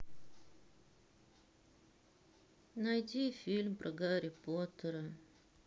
найди фильм про гарри поттера